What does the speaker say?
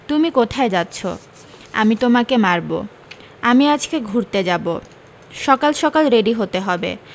তুমি কোথায় যাচ্ছো আমি তোমাকে মারব আমি আজকে ঘুরতে যাব সকাল সকাল রেডি হতে হবে